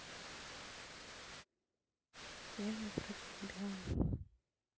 я не про тебя